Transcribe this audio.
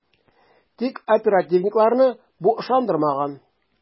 Тик оперативникларны бу ышандырмаган ..